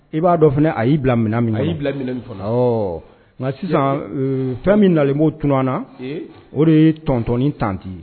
I b'a dɔn fana a y'i bila minɛ na a y nka sisan fɛn min nalenboo t na o de ye tɔntin tante